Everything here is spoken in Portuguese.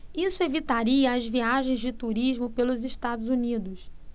isso evitaria as viagens de turismo pelos estados unidos